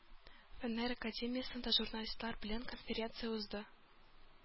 Фәннәр академиясендә журналистлар белән конференция узды.